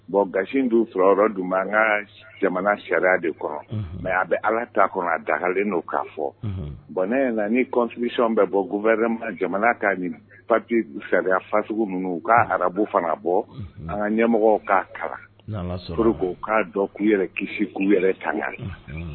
Bon gasi dun fura yɔrɔ dun an ka jamana sariya de kɔnɔ mɛ a bɛ ala t' kɔnɔ a dagagalen don k'a fɔ bɔnɛ na nifisɔn bɛ bɔ g wɛrɛɛ ma jamana kaa ni papi sariya faat minnu k'a arabu fana bɔ an ka ɲɛmɔgɔ k'a kalanoro k'a dɔn k'u yɛrɛ kisi k'u yɛrɛ taga